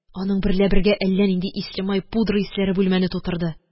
Аның берлә бергә әллә нинди ислемай, пудра исләре бүлмәне тутырды